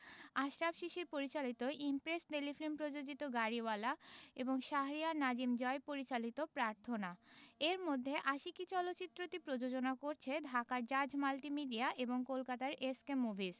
আশরাফ শিশির পরিচালিত Impress Telefilm প্রযোজিত গাড়িওয়ালা এবং শাহরিয়ার নাজিম জয় পরিচালিত প্রার্থনা এর মধ্যে আশিকী চলচ্চিত্রটি প্রযোজনা করছে ঢাকার জাজ মাল্টিমিডিয়া এবং কলকাতার এস কে মুভিজ